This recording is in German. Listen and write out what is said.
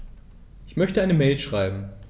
Ich möchte eine Mail schreiben.